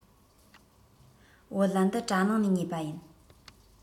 བོད ལྭ འདི གྲ ནང ནས ཉོས པ ཡིན